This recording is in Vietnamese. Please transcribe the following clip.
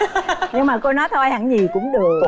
nhưng mà cô nói thôi hạng nhì cũng được